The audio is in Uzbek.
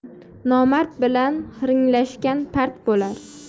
nomard bilan hiringlashgan part bo'lar